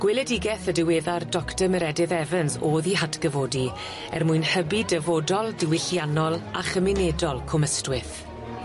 Gweledigeth y diweddar Doctor Meredydd Evans o'dd 'i hatgyfodi er mwyn hybu dyfodol diwylliannol a chymunedol Cwm Ystwyth.